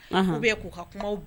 Bɛ ko ka kuma